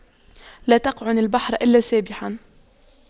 لا تقعن البحر إلا سابحا